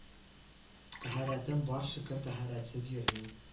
Тәһарәтем бар шөкер тәһарәтсез йөрмим